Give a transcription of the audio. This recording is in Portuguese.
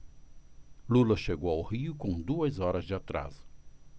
lula chegou ao rio com duas horas de atraso